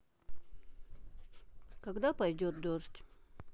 когда пойдет дождь